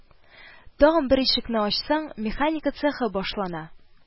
Тагын бер ишекне ачсаң, механика цехы башлана